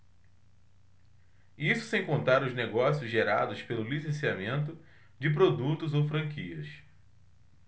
isso sem contar os negócios gerados pelo licenciamento de produtos ou franquias